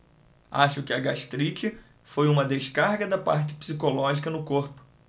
acho que a gastrite foi uma descarga da parte psicológica no corpo